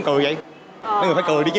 người phải cười đi chứ